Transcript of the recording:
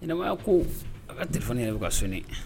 Yɛnɛmaya kow, ne yɛrɛ ka telephone bɛ ka sonner